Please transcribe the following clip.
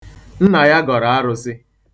Nna ya gọrọ arụsị.